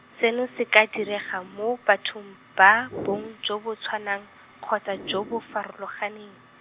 seno se ka direga mo bathong ba bong jo bo tshwanang, kgotsa jo bo farologaneng.